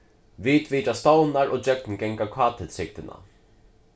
vit vita stovnar og gjøgnumganga kt-trygdina